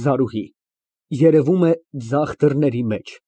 ԶԱՐՈՒՀԻ ֊ (Երևում է ձախ դռների մեջ)